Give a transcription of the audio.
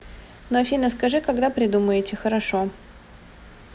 ну афина скажи когда придумаете хорошо